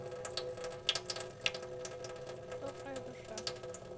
добрая душа